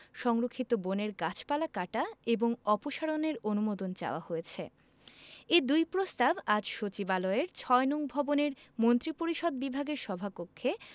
সংরক্ষিত বনের গাছপালা কাটা এবং অপসারণের অনুমোদন চাওয়া হয়েছে এ দুই প্রস্তাব আজ সচিবালয়ের ৬ নং ভবনের মন্ত্রিপরিষদ বিভাগের সভাকক্ষে